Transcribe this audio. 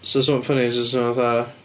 So 'sa fo funny os fysen nhw fatha...